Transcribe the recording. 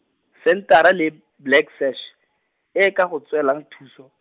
Centre le, Black Sash, e e ka go tswelang thuso.